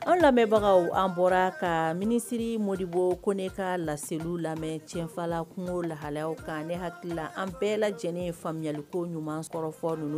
An lamɛnbagaw an bɔra ka minisiriri mbɔ ko ne ka laeli lamɛn cɛfa la kungo lahalaw kan ne hakilila an bɛɛ la lajɛlen faamuyayali ko ɲuman sɔrɔfɔ olu